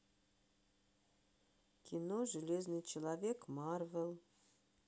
кино железный человек марвел